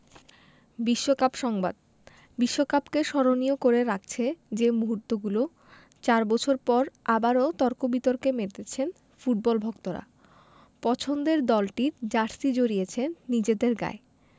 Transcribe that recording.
বিশ্বকাপ সংবাদ বিশ্বকাপকে স্মরণীয় করে রাখছে যে মুহূর্তগুলো চার বছর পর আবারও তর্ক বিতর্কে মেতেছেন ফুটবল ভক্তরা পছন্দের দলটির জার্সি জড়িয়েছেন নিজেদের গায়ে